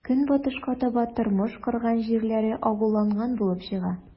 Көнбатышка таба тормыш корган җирләре агуланган булып чыккан.